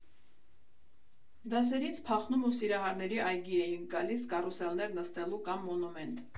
Դասերից փախնում ու Սիրահարների այգի էինք գալիս՝ կարուսելներ նստելու, կամ Մոնումենտ։